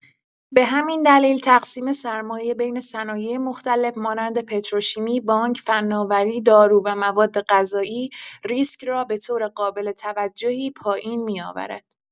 به همین دلیل تقسیم سرمایه بین صنایع مختلف مانند پتروشیمی، بانک، فناوری، دارو و موادغذایی ریسک را به‌طور قابل توجهی پایین می‌آورد.